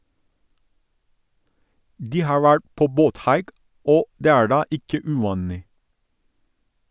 De har vært på båthaik, og det er da ikke uvanlig.